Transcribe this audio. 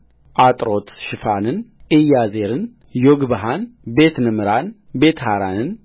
ዓጥሮትሽፋንን ኢያዜርን ዮግብሃንቤትነምራን ቤትሃራንን